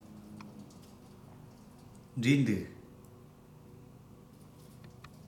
འབྲས འདུག